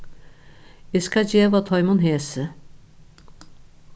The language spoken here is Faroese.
eg skal geva teimum hesi